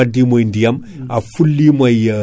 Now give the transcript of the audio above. kanko o heblata ko awdi